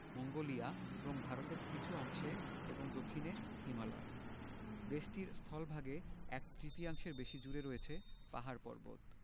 Mongolia এবং ভারতের কিছু অংশে এবং দক্ষিনে হিমালয় দেশটির স্থলভাগে এক তৃতীয়াংশের বেশি জুড়ে রয়ছে পাহাড় পর্বত